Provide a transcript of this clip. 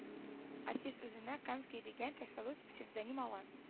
Артист үзенә камский дигән тәхәллүс псевдоним ала